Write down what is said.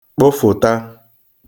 kpụfụ̀ta